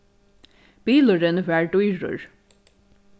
bilurin var dýrur